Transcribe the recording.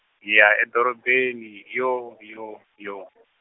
hi ya edorobeni yo yo yo.